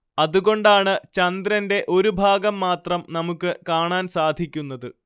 അതുകൊണ്ടാണ് ചന്ദ്രന്റെ ഒരു ഭാഗം മാത്രം നമുക്ക് കാണാൻ സാധിക്കുന്നത്